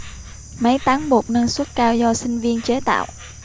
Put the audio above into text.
máy tán bột năng suất cao do sinh viên chế tạo